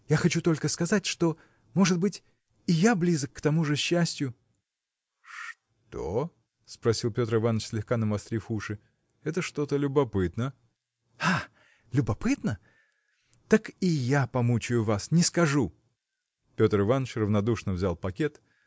– Я хочу только сказать, что, может быть. и я близок к тому же счастью. – Что – спросил Петр Иваныч слегка навострив уши – это что-то любопытно. – А! любопытно? так и я помучаю вас: не скажу. Петр Иваныч равнодушно взял пакет